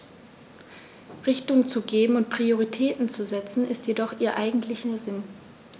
Richtung zu geben und Prioritäten zu setzen, ist jedoch ihr eigentlicher Sinn.